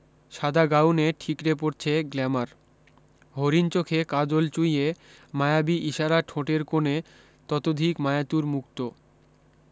সাদা গাউনে ঠিকরে পড়ছে গ্ল্যামার হরিণ চোখে কাজল চুঁইয়ে মায়াবী ইশারা ঠোঁটের কোনে ততোধিক মায়াতুর মুক্তো